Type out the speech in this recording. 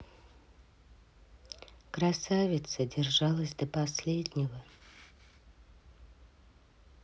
красавица держалась до последнего